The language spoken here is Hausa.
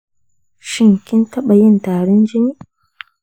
shin kin tabayin tarin jini?